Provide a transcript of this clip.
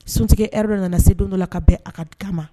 Suntigi hɛrɛr de nana se don dɔ la ka bɛn a karika ma